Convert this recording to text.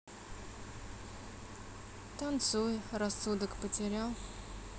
танцуй рассудок потерял